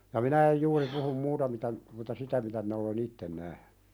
ja minä en juuri puhu muuta mitä mutta sitä mitä minä olen itsen nähnyt